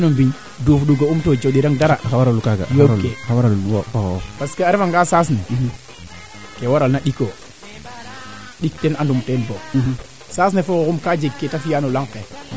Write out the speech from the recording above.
ne wiin we mbarno mbaago ndamta wala boog nede mbarna mbaago njilta xa qola xe daal a ngooxa wo anu koy naa jilta noona o qol le neete warna waago fod maaga sax i ndoka Modou